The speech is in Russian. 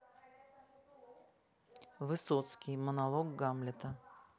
высоцкий монолог гамлета